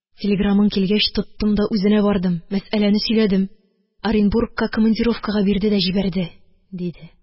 Телеграмың килгәч, тоттым да үзенә бардым. мәсьәләне сөйләдем. оренбургка командировка бирде дә җибәрде, – диде